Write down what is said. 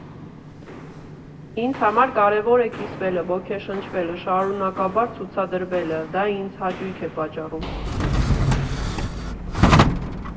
Ինձ համար կարևոր է կիսվելը, ոգեշնչելը, շարունակաբար ցուցադրվելը, դա ինձ հաճույք է պատճառում»։